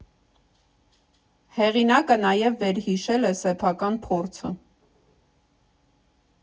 Հեղինակը նաև վերհիշել է սեփական փորձը։